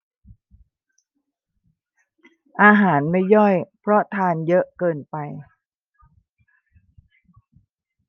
อาหารไม่ย่อยเพราะทานเยอะเกินไป